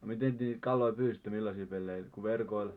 no miten te niitä kaloja pyysitte millaisilla peleillä kuin verkoilla